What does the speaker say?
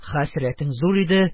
Хәсрәтең зур иде,